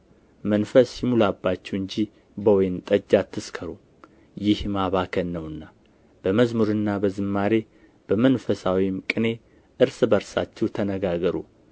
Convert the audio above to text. መንፈስ ይሙላባችሁ እንጂ በወይን ጠጅ አትስከሩ ይህ ማባከን ነውና በመዝሙርና በዝማሬ በመንፈሳዊም ቅኔ እርስ በርሳችሁ ተነጋገሩ